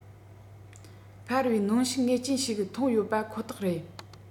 འཕར བའི གནོན ཤུགས ངེས ཅན ཞིག ཐོན ཡོད པ ཁོ ཐག རེད